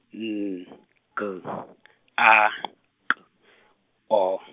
N, G , A , K O.